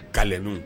Calin nin